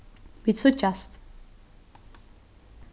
vit síggjast